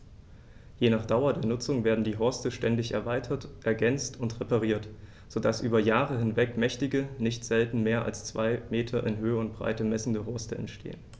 Je nach Dauer der Nutzung werden die Horste ständig erweitert, ergänzt und repariert, so dass über Jahre hinweg mächtige, nicht selten mehr als zwei Meter in Höhe und Breite messende Horste entstehen.